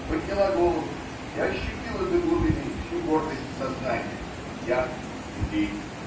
подняла голову и ощутила до глубины всю гордость сознания: я еврей.